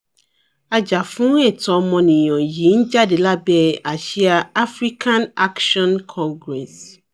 Ajà-fún-ẹ̀tọ́-ọmọnìyàn yìí ń jáde lábẹ́ àsíá African Action Congress.